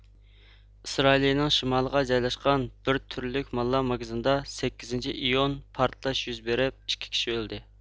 ئىسرائىلىيىنىڭ شىمالىغا جايلاشقان بىر تۈرلۈك ماللار ماگىزىنىدا سەككىزىنچى ئىيۇن پارتلاش يۈز بېرىپ ئىككى كىشى ئۆلدى